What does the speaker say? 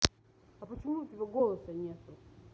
а почему у тебя голоса нету